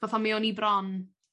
p- pan mi o'n i bron